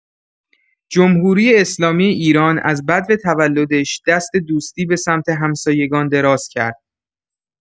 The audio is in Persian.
جمهوری‌اسلامی ایران از بدو تولدش دست دوستی به سمت همسایگان دراز کرد.